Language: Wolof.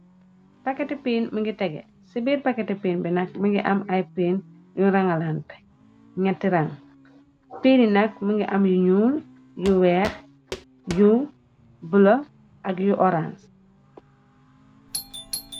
Pakketi piin mi ngi tege ci biir paketi piin bi nak mingi am ay piin yu rangalanté ñetti rang piin nak mi ngi am yu ñuul yu weex yu bula ak yu orange.